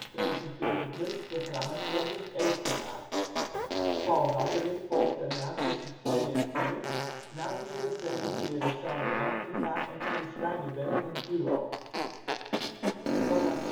presenteert het lunchprogramma " Stenders Eetvermaak ". Paul Rabbering volgt daarna tussen 14:00 en 16:00 uur. Na vieren presenteren Sander Lantinga en Coen Swijnenberg in duo. Vanaf